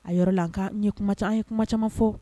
A y yɔrɔ la an ka n ye kuma an ye kuma caman fɔ